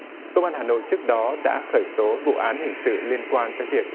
công an hà nội trước đó đã khởi tố vụ án hình sự liên quan tới việc